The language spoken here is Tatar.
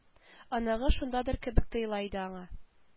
Оныгы шундадыр кебек тоела иде аңа